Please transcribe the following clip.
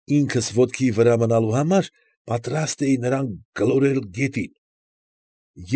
Ինքս ոտքի վրա մնալու համար պատրաստ էի նրան գլորել գետին։